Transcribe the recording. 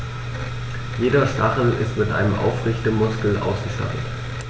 Jeder Stachel ist mit einem Aufrichtemuskel ausgestattet.